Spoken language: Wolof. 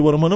waa